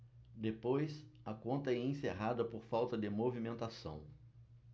depois a conta é encerrada por falta de movimentação